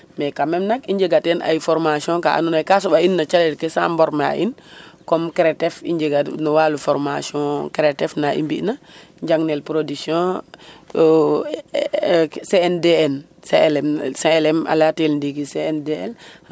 Mais quand meme nak i njega ten ay formation ka andoona ye a soɓa in no calel ke sa mborme'a in comme Cretef i njega no walum formation Cretef na i mbi'na njangnel production Sndn clm clm a laya tel ndiiki cndn.